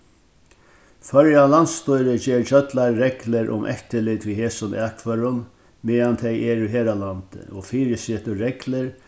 føroya landsstýri ger gjøllar reglur um eftirlit við hesum akførum meðan tey eru her á landi og fyrisetir reglur